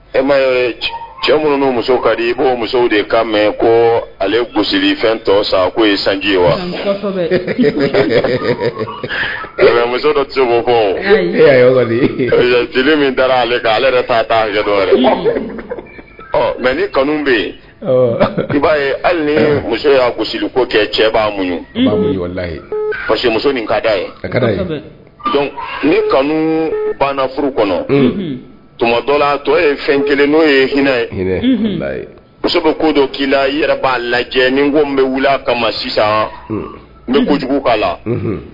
E ma ye cɛ minnu muso ka di i ko musow de ka mɛn ko ale gosisi fɛn tɔ sa k'o ye sanji ye wa muso dɔbo min taara ale ale ta nka ni kanu bɛ yen'a ye hali ni muso y'a siri ko kɛ cɛ'muso ka ni kanu banna furu kɔnɔ tuma dɔ la tɔ ye fɛn kelen n'o ye hinɛ ye muso ko ko dɔ k'i la yɛrɛa lajɛ ni ko n bɛ wili kama sisan n bɛ kojugu'a la